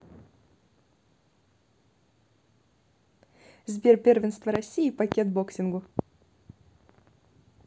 сбер первенство россии пакет боксингу